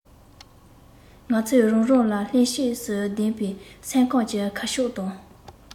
ང ཚོས རང རང ལ ལྷན སྐྱེས སུ ལྡན པའི སེམས ཁམས ཀྱི ཁ ཕྱོགས དང